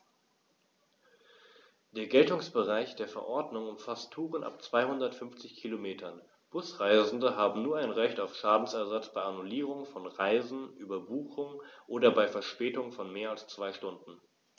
Der Geltungsbereich der Verordnung umfasst Touren ab 250 Kilometern, Busreisende haben nun ein Recht auf Schadensersatz bei Annullierung von Reisen, Überbuchung oder bei Verspätung von mehr als zwei Stunden.